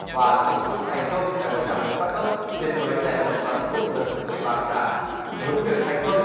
và tổ chức thành công đại hội đảng bộ các cấp tiến tới đại hội toàn quốc lần thứ mười ba của đảng muốn việc thành công